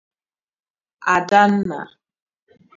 Àdannà